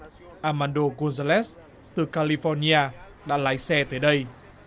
a man đô gôn da lét từ ca li phoóc ni a đã lái xe tới đây